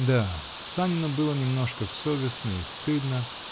Да; Санину было немножко совестно и стыдно.